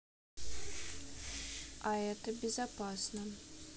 а это безопасно